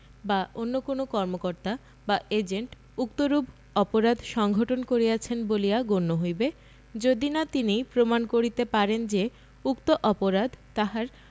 বা অন্য কোন কর্মকর্তা বা এজেন্ট উক্তরূপ অপরাধ সংঘটন করিয়াছেন বলিয়া গণ্য হইবে যদি না তিনি প্রমাণ করিতে পারেন যে উক্ত অপরাধ তাহার